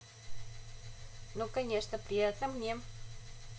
ну конечно приятно мне